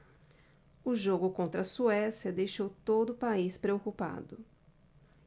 o jogo contra a suécia deixou todo o país preocupado